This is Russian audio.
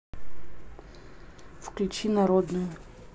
включи народную